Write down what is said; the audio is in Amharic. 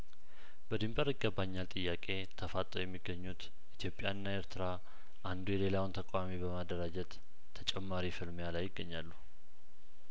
በድንበር ይገባኛል ጥያቄ ተፋ ጠው የሚገኙት ኢትዮጵያና ኤርትራ አንዱ የሌላውን ተቃዋሚ በማደራጀት ተጨማሪ ፍልሚያ ላይ ይገኛሉ